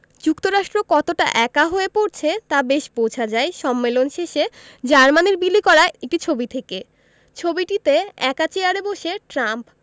যুক্তরাষ্ট্র কতটা একা হয়ে পড়ছে তা বেশ বোঝা যায় সম্মেলন শেষে জার্মানির বিলি করা একটি ছবি থেকে ছবিটিতে একা চেয়ারে বসে ট্রাম্প